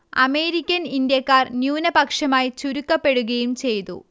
American ഇന്ത്യക്കാർ ന്യൂനപക്ഷമായി ചുരുക്കപ്പെടുകയും ചെയ്തു